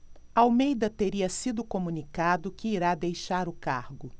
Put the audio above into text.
almeida teria sido comunicado que irá deixar o cargo